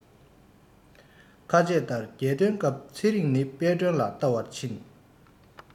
ཁ ཆད ལྟར རྒྱལ སྟོན སྐབས ཚེ རིང ནི དཔལ སྒྲོན ལ བལྟ བར ཕྱིན